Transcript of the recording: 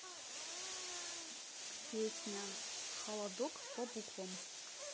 песня холодок по буквам